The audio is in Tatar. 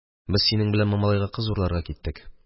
Без синең белән Мамалайга кыз урларга киттек.